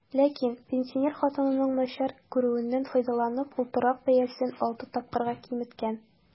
Ләкин, пенсинер хатынның начар күрүеннән файдаланып, ул торак бәясен алты тапкырга киметкән.